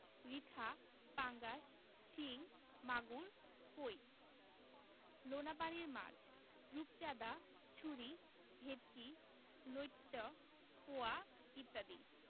রিঠা পাঙ্গাস শিং মাগুর কৈ লোনাপানির মাছ রূপচাঁদা ছুরি ভেটকি লইট্ট পোয়া ইত্যাদি